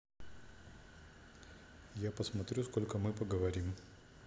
я посмотрю сколько мы поговорим